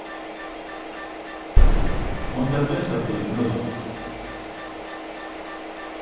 hon tók gestablíð ímóti okkum